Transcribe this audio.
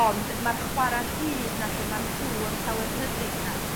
ond ma'r chwara rhydd 'na lle ma' nhw yn ca'l yr rhyddid 'na